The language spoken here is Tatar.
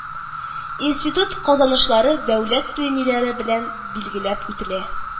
Институт казанышлары дәүләт премияләре белән билгеләп үтелә